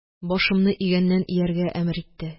Башымны игәннән ияргә әмер итте.